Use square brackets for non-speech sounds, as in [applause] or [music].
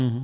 [hesitation] [hesitation]